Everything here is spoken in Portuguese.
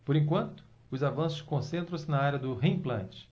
por enquanto os avanços concentram-se na área do reimplante